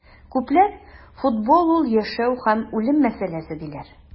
Күпләр футбол - ул яшәү һәм үлем мәсьәләсе, диләр.